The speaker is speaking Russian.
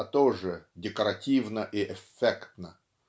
а тоже декоративно и эффектно